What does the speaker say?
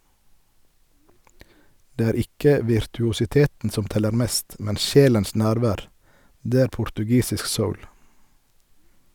Det er ikke virtuositeten som teller mest, men sjelens nærvær; det er portugisisk soul.